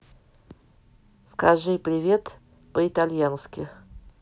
скажи привет по итальянски